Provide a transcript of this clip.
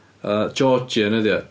Yy Georgian ydy o.